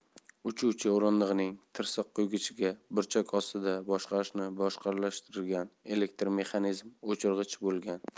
uchuvchi o'rindig'ining tirsakqo'ygichida burchak ostida boshqarishni barqarorlashtirish elektr mexanizmi o'chirgichi bo'lgan